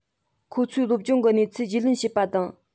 ཁོ ཚོའི སློབ སྦྱོང གི གནས ཚུལ རྒྱུས ལོན བྱས པ དང